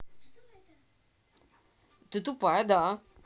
ты тупая да